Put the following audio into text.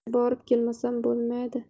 borib kelmasam bo'lmaydi